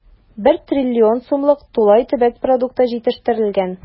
1 трлн сумлык тулай төбәк продукты җитештерелгән.